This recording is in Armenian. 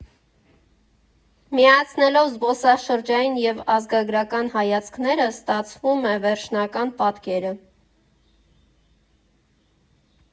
Միացնելով զբոսաշրջային և ազգագրական հայացքները՝ ստացվում է վերջնական պատկերը։